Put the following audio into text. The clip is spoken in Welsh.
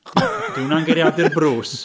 'Di hwnna'n geiriadur Bruce?